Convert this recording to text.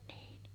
niin